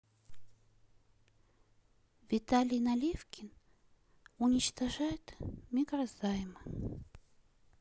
виталий наливкин уничтожает микрозаймы